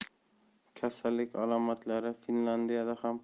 kasallik alomatlari finlyandiyada